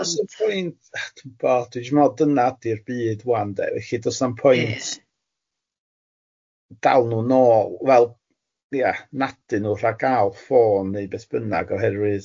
Os o'n point dwi'm yn gwybod dwi'n meddwl dyna ydi'r byd ŵan de felly does... Ie. ...na'm point, dal nhw nôl wel ia nadu nhw rhag gael ffôn neu beth bynnag oherwydd